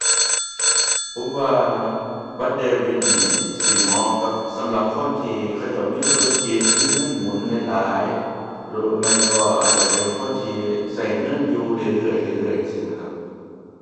ผมว่าบัตรเดบิตนี่สิเหมาะกับสำหรับคนที่เขาเจ้ามีธุรกิจ มีเงินหมุนหลายหลาย หรือไม่ก็อาจจะเป็นคนที่ใช้เงินอยู่เรื่อยเรื่อยเรื่อยเรื่อยจั่งซี้นะครับ